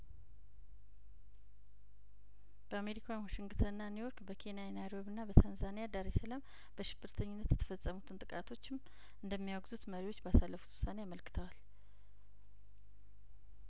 በአሜሪካ ዋሽንግተንና ኒውዮርክ በኬንያ ናይሮቢና በታንዛኒያ ዳሬሰላም በሽብርተኝነት የተፈጸሙትን ጥቃቶችም እንደሚያወግዙት መሪዎቹ ባሳለፉት ውሳኔ አመልክተዋል